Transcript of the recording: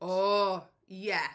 O, ie.